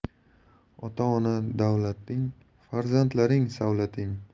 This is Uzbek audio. ota ona davlating farzandlaring savlating